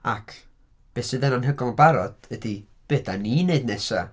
Ac beth sydd yn anhygoel yn barod ydy beth dan ni'n wneud nesaf.